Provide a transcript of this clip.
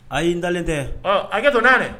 Ayi ntalen tɛ a kɛ to n'a dɛ